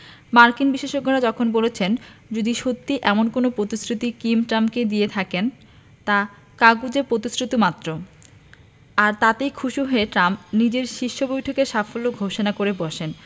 মার্কিন বিশেষজ্ঞেরা এখন বলছেন যদি সত্যি এমন কোনো প্রতিশ্রুতি কিম ট্রাম্পকে দিয়ে থাকেন তা কাগুজে প্রতিশ্রুতিমাত্র আর তাতেই খুশি হয়ে ট্রাম্প নিজের শীর্ষ বৈঠকের সাফল্য ঘোষণা করে বসেন